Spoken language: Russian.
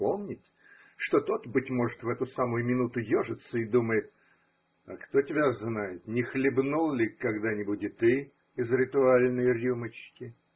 помнить, что тот, быть может, в эту самую минуту ежится и думает: а кто тебя знает, не хлебнул ли когда-нибудь и ты из ритуальной рюмочки?